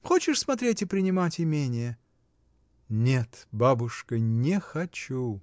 — Хочешь смотреть и принимать имение? — Нет, бабушка, не хочу!